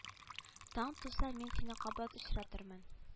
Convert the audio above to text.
Таң туса мин сине кабат очратырмын